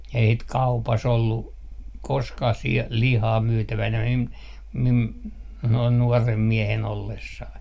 ei sitä kaupassa ollut koskaan - lihaa myytävänä minun minun noin nuorena miehenä ollessani